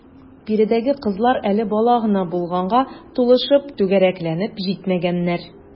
Биредәге кызлар әле бала гына булганга, тулышып, түгәрәкләнеп җитмәгәннәр.